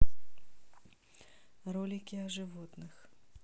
ролики о животных